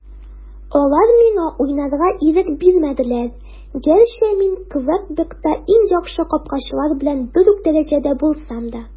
Алар миңа уйнарга ирек бирмәделәр, гәрчә мин Квебекта иң яхшы капкачылар белән бер үк дәрәҗәдә булсам да.